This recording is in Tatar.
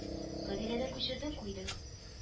Гадиләдән күчердең куйдың